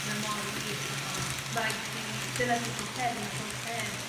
Mae o mor wir fatha ma' raid i chdi... Dyna 'di self care be' ma' self care